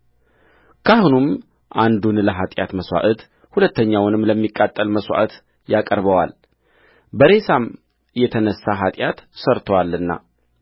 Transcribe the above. ካህኑም አንዱን ለኃጢአት መሥዋዕት ሁለተኛውንም ለሚቃጠል መሥዋዕት ያቀርበዋል በሬሳም የተነሣ ኃጢአት ሠርቶአልና